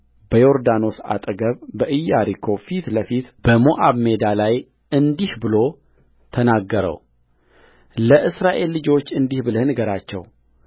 በዮርዳኖስ አጠገብ በኢያሪኮ ፊት ለፊት በሞዓብ ሜዳ ላይ እንዲህ ብሎ ተናገረውለእስራኤል ልጆች እንዲህ ብለህ ንገራቸው